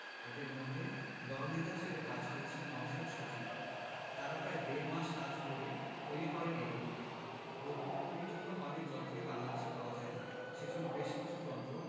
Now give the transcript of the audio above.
এদের মধ্যে দলনেতা হিসেবে কাজ করেছেন নওশাদ সজীব তারা প্রায় দেড় মাস কাজ করে তৈরি করেন এই রোবটটি রোবট তৈরির জন্য অনেক যন্ত্রই বাংলাদেশে পাওয়া যায় না সেজন্য বেশ কিছু যন্ত্র